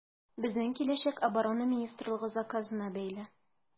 Безнең киләчәк Оборона министрлыгы заказына бәйле.